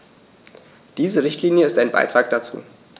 Diese Richtlinie ist ein Beitrag dazu.